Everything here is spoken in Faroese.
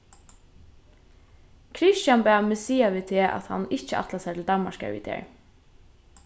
kristian bað meg siga við teg at hann ikki ætlar sær til danmarkar við tær